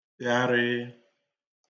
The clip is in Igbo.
gharịị